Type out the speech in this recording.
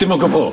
Dim o gwbwl?